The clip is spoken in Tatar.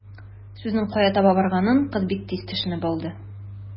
Сүзнең кая таба барганын кыз бик тиз төшенеп алды.